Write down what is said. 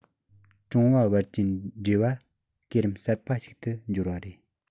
ཀྲུང ཨ བར གྱི འབྲེལ བ སྐས རིམ གསར པ ཞིག ཏུ འབྱོར བ རེད